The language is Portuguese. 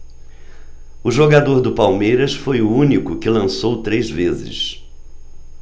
o jogador do palmeiras foi o único que lançou três vezes